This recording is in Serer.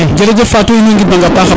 jerejef Fatou in way ngid mang a paxa paax